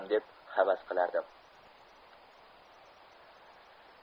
deb havas qilardim